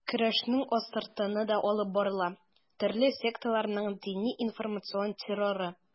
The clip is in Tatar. Көрәшнең астыртыны да алып барыла: төрле секталарның дини-информацион терроры.